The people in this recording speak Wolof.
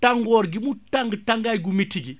tàngoor gi mu tàng tàngaay gu métti gi